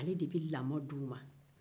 ale de bɛ lamɔ d'u ma